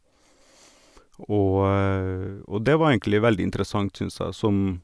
og Og det var egentlig veldig interessant, synes jeg, som...